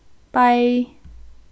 bei